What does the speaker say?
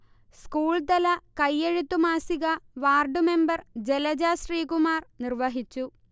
സ്കൂൾതല കയെഴുത്തു മാസിക ward member Jalaja Sreekumar നിർവഹിച്ചു